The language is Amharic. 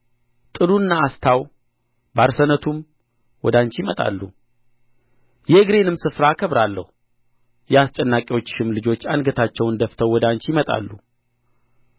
ጥዱና አስታው ባርሰነቱም ወደ አንቺ ይመጣሉ የእግሬንም ስፍራ አከብራለሁ የአስጨናቂዎችሽም ልጆች አንገታቸውን ደፍተው ወደ አንቺ ይመጣሉ